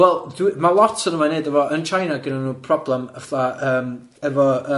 Wel, dwi- ma' lot o nhw'n wneud efo- yn China gynnon nhw problem fatha yym efo yy